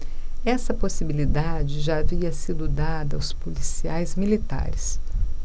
essa possibilidade já havia sido dada aos policiais militares